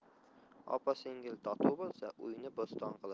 opa singil totuv bo'lsa uyni bo'ston qilar